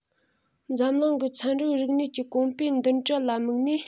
འཛམ གླིང གི ཚན རིག རིག གནས ཀྱི གོང སྤེལ མདུན གྲལ ལ དམིགས ནས